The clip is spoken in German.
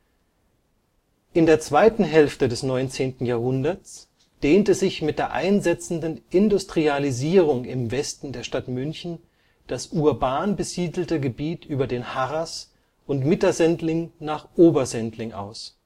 der zweiten Hälfte des 19. Jahrhunderts dehnte sich mit der einsetzenden Industrialisierung im Westen der Stadt München das urban besiedelte Gebiet über den Harras und Mittersendling nach Obersendling aus